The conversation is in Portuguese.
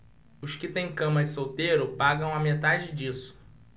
os que têm cama de solteiro pagam a metade disso